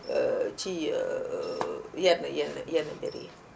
ci yenn yenn yenn mbir yi